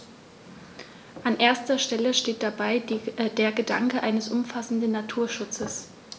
An erster Stelle steht dabei der Gedanke eines umfassenden Naturschutzes.